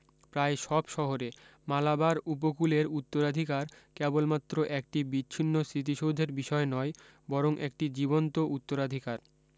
প্রায় সব শহরে মালাবার উপকূলের উত্তরাধিকার কেবলমাত্র একটি বিচ্ছিন্ন স্মৃতিসৌধের বিষয় নয় বরং একটি জীবন্ত উত্তরাধিকার